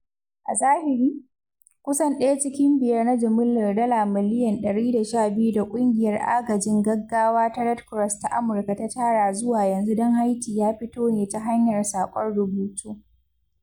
A zahiri, kusan ɗaya cikin biyar na jimillar dala miliyan $112 da Ƙungiyar Agajin Gaggawa ta Red Cross ta Amurka ta tara zuwa yanzu don Haiti ya fito ne ta hanyar saƙon rubutu.